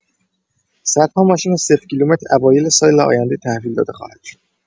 صدها ماشین صفرکیلومتر اوایل سال آینده تحویل داده خواهد شد.